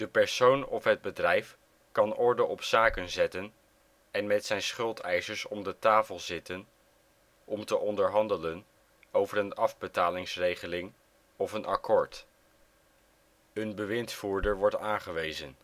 persoon of het bedrijf kan orde op zaken zetten en met zijn schuldeisers om de tafel zitten om te onderhandelen over een afbetalingsregeling of een akkoord. Een bewindvoerder wordt aangewezen